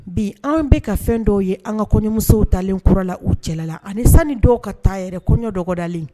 Bi an bɛka ka fɛn dɔw ye an ka kɔɲɔmusow talen kura la u cɛla la ani sanu dɔw ka taa yɛrɛ koɲɔ dɔgɔdalen